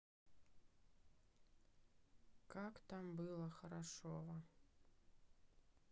как там было хорошова